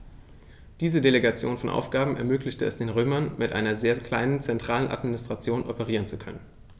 Diese Delegation von Aufgaben ermöglichte es den Römern, mit einer sehr kleinen zentralen Administration operieren zu können.